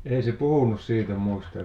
ei se puhunut siitä muistaakseni